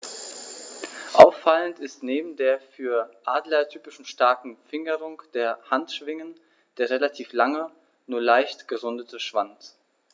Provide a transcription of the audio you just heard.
Auffallend ist neben der für Adler typischen starken Fingerung der Handschwingen der relativ lange, nur leicht gerundete Schwanz.